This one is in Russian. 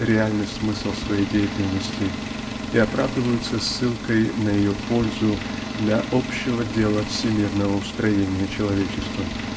реальный смысл своей деятельности и оправдываются ссылкой на ее пользу для общего дела всемирного устроения человечества